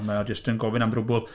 Mae o jyst yn gofyn am drwbl.